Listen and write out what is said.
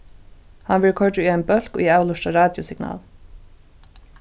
hann verður koyrdur í ein bólk ið avlurtar radiosignal